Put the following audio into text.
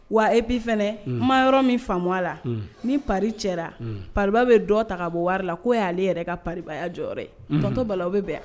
Wa e bi fana ma yɔrɔ min faamu la ni pa cɛ paba bɛ dɔ ta ka bɔ wari la ko y'ale yɛrɛ ka paya jɔ tɔtɔ bala o bɛ bɛn